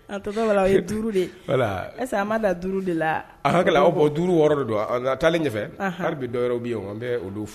A tonton Bala o ye 5 de ye, est ce que a ma dan 5 de la a hakili la 5, 6 de don nka a taalen ɲɛfɛ, anhan, hali bi dɔw yɔrɔ bɛ yen an bɛ olu fɔ